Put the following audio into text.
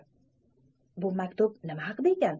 bu maktub nima haqida o'zi